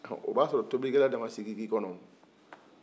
o b'a sɔrɔ tobili kɛla de ma sigi ki kɔnɔ